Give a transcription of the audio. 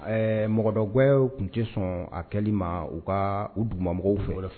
Ɛɛ mɔgɔdɔ gɛn tun tɛ sɔn a kɛlen ma u ka u duguba mɔgɔw fɛ